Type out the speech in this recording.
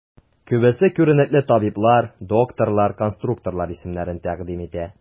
Күбесе күренекле табиблар, дикторлар, конструкторлар исемнәрен тәкъдим итә.